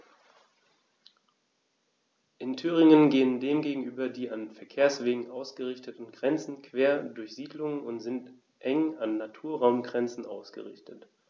In Thüringen gehen dem gegenüber die an Verkehrswegen ausgerichteten Grenzen quer durch Siedlungen und sind eng an Naturraumgrenzen ausgerichtet.